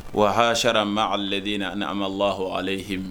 Wa hahaharame a ladiina ani ala amadu lahɔn alayihimi